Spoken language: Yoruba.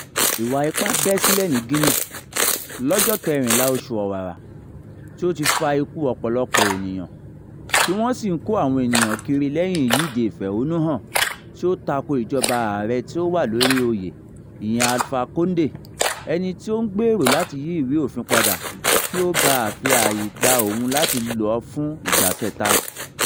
Ìwà ipá bẹ́ sílẹ̀ ní Guinea lọ́jọ́ 14 oṣù Ọ̀wàrà, tí ó ti fa ikú ọ̀pọ̀lọpọ̀ ènìyàn tí wọ́n sì ń kó àwọn ènìyàn kiri lẹ́yìn ìyíde ìféhónúhàn tí ó tako ìjọba ààrẹ tí ó wà lórí oyè ìyẹn Alpha Condé, ẹni tí ó ń gbèrò láti yí ìwé-òfin padà kí ó bá fi ààyè gba òun láti lọ fún ìgbà kẹta.